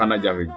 xana jafeñ